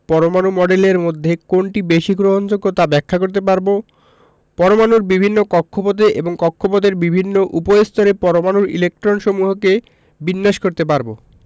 পরমাণু মডেলের মধ্যে কোনটি বেশি গ্রহণযোগ্য তা ব্যাখ্যা করতে পারব পরমাণুর বিভিন্ন কক্ষপথে এবং কক্ষপথের বিভিন্ন উপস্তরে পরমাণুর ইলেকট্রনসমূহকে বিন্যাস করতে পারব